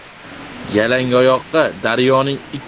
yalangoyoqqa daryoning ikki